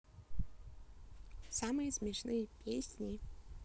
самые смешные песни